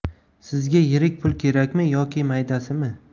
sizga yirik pul kerakmi yoki maydasimi